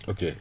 ok